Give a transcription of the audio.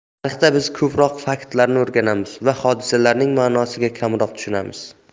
tarixda biz ko'proq faktlarni o'rganamiz va hodisalarning ma'nosini kamroq tushunamiz